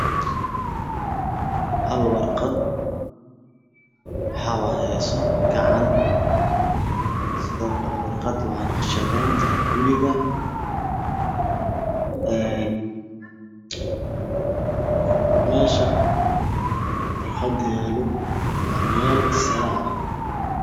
Hal warqad waxa wax heyso gacan sidoo kale warqada waa nasqadeynta gurida een meesha warqada yaalo waa meel Sara ah.